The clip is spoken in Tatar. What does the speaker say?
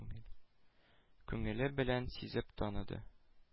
Күңеле белән сизеп таныды.